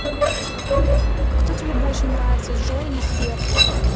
а кто тебе больше нравится джой или сбер